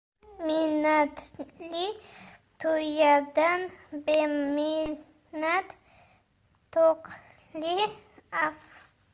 minnatli tuyadan beminnat to'qli afzal